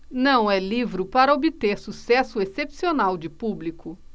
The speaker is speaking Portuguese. não é livro para obter sucesso excepcional de público